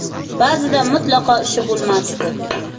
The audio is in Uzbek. ba'zida mutlaqo ishi bo'lmasdi